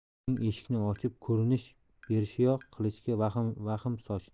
uning eshikni ochib ko'rinish berishiyoq qilichga vahm sochdi